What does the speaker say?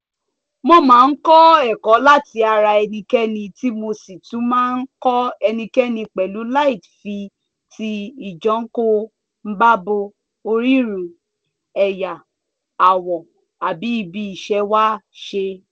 Mo máa ń kọ́ ẹ̀kọ́ láti ara ẹnikẹ́ni tí mo sì tún máa ń kọ́ ẹnikẹ́ni pẹ̀lú láì fi ti ìjánkọ-n-bábo, orírun, ẹ̀yà, àwọ̀ àbí ibi ìsẹ̀wá ṣe.